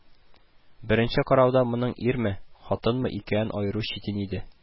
Беренче карауда моның ирме, хатынмы икәнен аеру читен иде